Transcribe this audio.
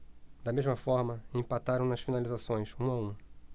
da mesma forma empataram nas finalizações um a um